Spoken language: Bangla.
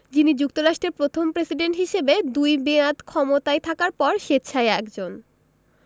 যিনি যুক্তরাষ্ট্রের প্রথম প্রেসিডেন্ট হিসেবে দুই মেয়াদ ক্ষমতায় থাকার পর স্বেচ্ছায় একজন